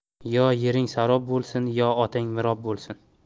yo yering serob bo'lsin yo otang mirob bo'lsin